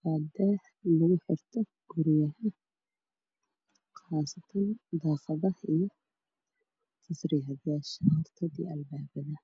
Kani waa daaha lugu xirto guryaha qaasatan daaqadaha iyo albaabada.